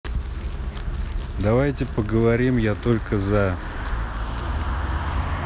давайте поговорим я только за